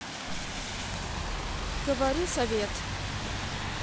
говори совет